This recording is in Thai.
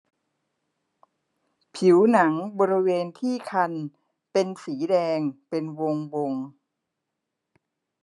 ผิวหนังบริเวณที่คันเป็นสีแดงเป็นวงวง